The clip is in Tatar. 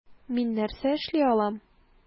Мин нәрсә эшли алам?